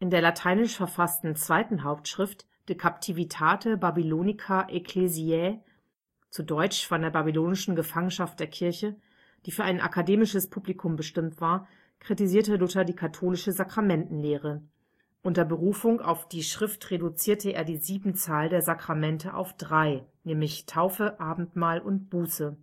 der lateinisch verfassten zweiten Hauptschrift De captivitate Babylonica ecclesiae (Von der babylonischen Gefangenschaft der Kirche), die für ein akademisches Publikum bestimmt war, kritisierte Luther die katholische Sakramentenlehre. Unter Berufung auf die Schrift reduzierte er die Siebenzahl der Sakramente auf drei (Taufe, Abendmahl, Buße). Er